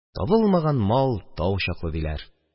Табылмаган мал тау чаклы, диләр